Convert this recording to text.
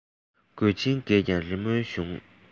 གོས ཆེན རྒས ཀྱང རི མོའི གཞུང